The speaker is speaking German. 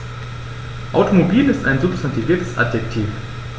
Automobil ist ein substantiviertes Adjektiv.